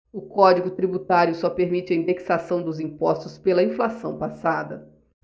o código tributário só permite a indexação dos impostos pela inflação passada